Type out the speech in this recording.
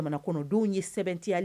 Jamana kɔnɔdenw ye sɛbɛntiya